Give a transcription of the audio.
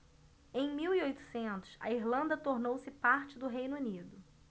em mil e oitocentos a irlanda tornou-se parte do reino unido